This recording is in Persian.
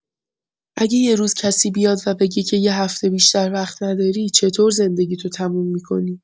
اگه یه روز کسی بیاد و بگه که یه هفته بیشتر وقت نداری، چطور زندگیتو تموم می‌کنی؟